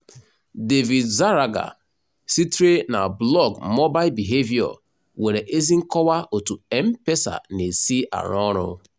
David Zarraga, sitere na blọọgụ Mobile Behavior nwere ezi nkọwa otu M-Pesa na-esi arụ ọrụ.